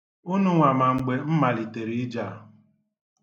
Gịnwa ma mgbe m malitere ije a.